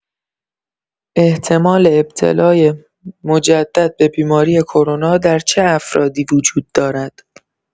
احتمال ابتلای مجدد به بیماری کرونا در چه افرادی وجود دارد؟